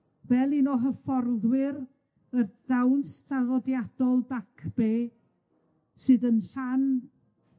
fel un o hyfforddwyr y dawns draddodiadol Back Bay, sydd yn rhan